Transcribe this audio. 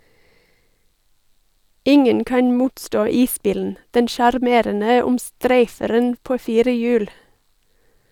Ingen kan motstå isbilen , den sjarmerende omstreiferen på fire hjul.